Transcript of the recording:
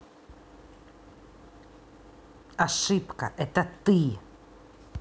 ошибка это ты